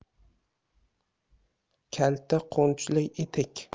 kalta qo'njli etik